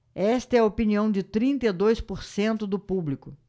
esta é a opinião de trinta e dois por cento do público